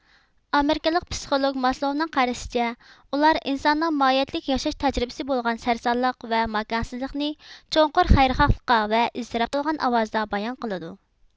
ئامېرىكىلىق پسىخولوگ ماسلوۋنىڭ قارىشىچە ئۇلار ئىنساننىڭ ماھىيەتلىك ياشاش تەجرىبىسى بولغان سەرسانلىق ۋە ماكانسىزلىقنى چوڭقۇر خەيرىخاھلىققا ۋە ئىزتىراپقا تولغان ئاۋازدا بايان قىلىدۇ